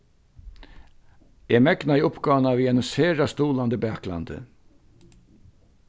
eg megnaði uppgávuna við einum sera stuðlandi baklandi